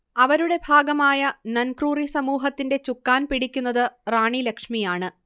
അവരുടെ ഭാഗമായ നൻക്രുറി സമൂഹത്തിന്റെ ചുക്കാൻ പിടിക്കുന്നത് റാണി ലക്ഷ്മിയാണ്